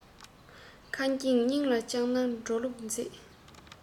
ཁེ གྱོང སྙིང ལ བཅངས ནས འགྲོ ལུགས མཛོད